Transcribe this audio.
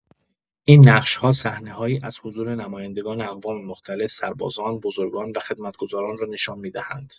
این نقش‌ها صحنه‌هایی از حضور نمایندگان اقوام مختلف، سربازان، بزرگان و خدمت‌گزاران را نشان می‌دهند.